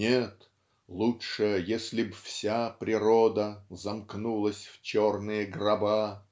Нет, лучше, если б вся природа Замкнулась в черные гроба.